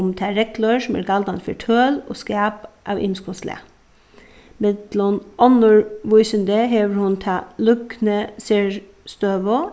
um tær reglur sum eru galdandi fyri tøl og skap av ymiskum slag millum onnur vísindi hevur hon ta løgnu serstøðu